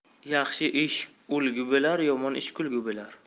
yaxshi ish ulgi bo'lar yomon ish kulgi bo'lar